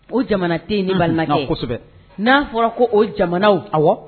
O jamana tɛ ne ma na kosɛbɛ n'a fɔra ko o jamana a wa